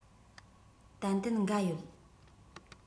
ཏན ཏན འགའ ཡོད